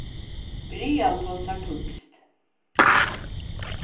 brian tosar týskt